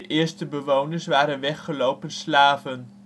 eerste bewoners waren weggelopen slaven